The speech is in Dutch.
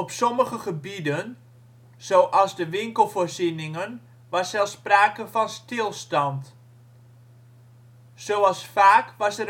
sommige gebieden, zoals de winkelvoorzieningen, was zelfs sprake van stilstand. Zoals vaak was